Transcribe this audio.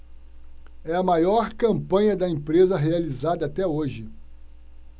é a maior campanha da empresa realizada até hoje